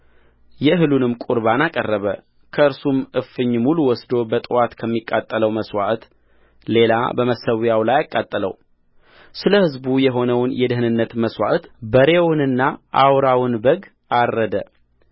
የእህሉንም ቍርባን አቀረበ ከእርሱም እፍኝ ሙሉ ወስዶ በጥዋት ከሚቃጠለው መሥዋዕት ሌላ በመሰዊያው ላይ አቃጠለውስለ ሕዝቡ የሆነውን የደኅንነት መሥዋዕት በሬውንና አውራውን በግ አረደ